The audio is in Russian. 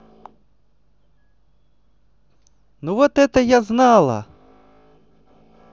ну вот это я знала